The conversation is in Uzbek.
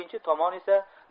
ikkinchi tomon esa